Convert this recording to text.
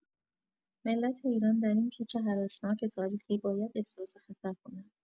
ملت ایران در این پیچ هراسناک تاریخی باید احساس خطر کند.